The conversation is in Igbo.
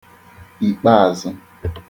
ìkpèazụ̄